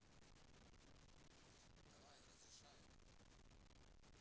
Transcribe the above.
давай разрешаю